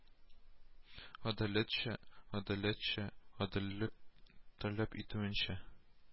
Гадәләтчә Гадаләтчә гаделлек таләп итүенчә